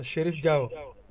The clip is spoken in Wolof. Chérif Diao